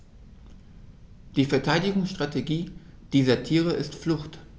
Die Verteidigungsstrategie dieser Tiere ist Flucht.